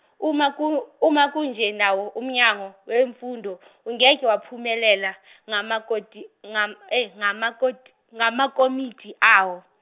uma ku- uma kunje nawo uMnyango weMfundo ungeke waphumelela ngamakoti- ngam- ngamakoti- ngamakomiti awo.